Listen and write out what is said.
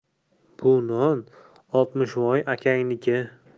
bu non oltmishvoy akangniki